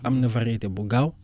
am na variété bu gaaw